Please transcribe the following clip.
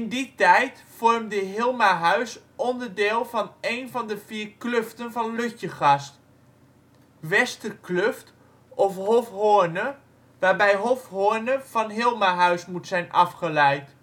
die tijd vormde Hilmahuis onderdeel van een van de vier kluften van Lutjegast; ' Westerkluft of Hofhorne ', waarbij Hofhorne van Hilmahuis moet zijn afgeleid